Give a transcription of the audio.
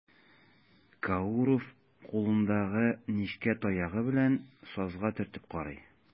Кауров кулындагы нечкә таягы белән сазга төртеп карый.